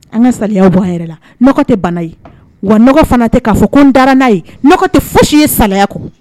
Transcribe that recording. An ka bɔ a yɛrɛ la tɛ bana wa fana tɛ k'a fɔ ko n dara n'a ye tɛ foyisi ye sa kɔ